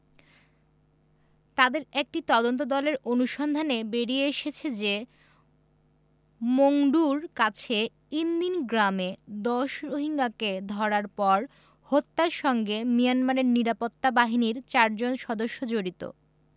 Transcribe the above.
তাদের একটি তদন্তদলের অনুসন্ধানে বেরিয়ে এসেছে যে মংডুর কাছে ইনদিন গ্রামে ১০ রোহিঙ্গাকে ধরার পর হত্যার সঙ্গে মিয়ানমারের নিরাপত্তা বাহিনীর চারজন সদস্য জড়িত